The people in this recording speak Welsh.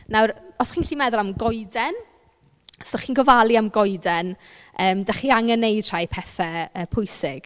Nawr os y' chi'n meddwl am goeden, os dach chi'n gofalu am goeden yym dach chi angen wneud rhai pethau yy pwysig.